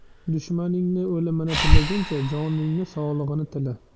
dushmaningning o'limini tilaguncha joningning sog'ligini tila